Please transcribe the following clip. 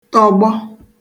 tọ̀gbọ